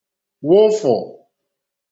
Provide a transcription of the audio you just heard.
wụfụ̀